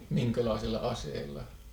minkälaisilla aseilla